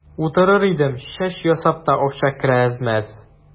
Утырыр идем, чәч ясап та акча керә әз-мәз.